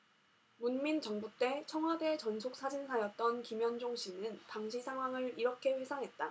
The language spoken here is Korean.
문민정부 때 청와대 전속사진사였던 김현종씨는 당시 상황을 이렇게 회상했다